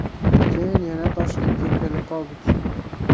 keyin yana toshkentga kelib qoldik